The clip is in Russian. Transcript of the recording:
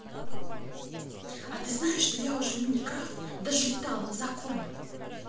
а ты знаешь что я уже в minecraft даже летал на законе